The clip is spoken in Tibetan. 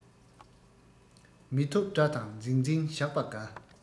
མི ཐུབ དགྲ དང འཛིང འཛིང བཞག པ དགའ